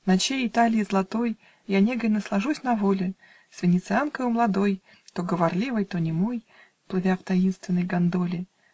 Ночей Италии златой Я негой наслажусь на воле, С венецианкою младой, То говорливой, то немой, Плывя в таинственной гондоле